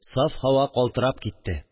Саф һава калтырап китте